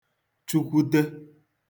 chụkwute